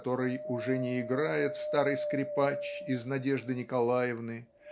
которой уже не играет старый скрипач из "Надежды Николаевны"